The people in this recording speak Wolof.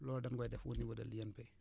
loolu dama koy def au niveau de l' INP